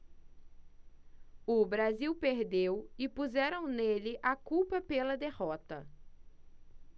o brasil perdeu e puseram nele a culpa pela derrota